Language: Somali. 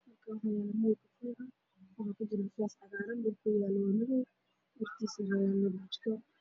Halkaan waxaa yaalla mooyee waxaa ku jira basaasman